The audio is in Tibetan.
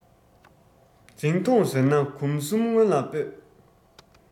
འཛིང ཐོངས ཟེར ན གོམ གསུམ སྔོན ལ སྤོས